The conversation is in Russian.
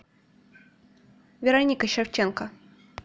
вероника шевченко